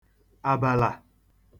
àbàlà